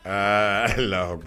Aa la